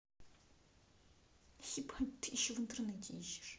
ебать ты еще в интернете ищешь